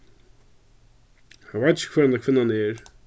hann veit ikki hvør handa kvinnan er